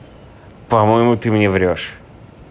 по моему ты мне врешь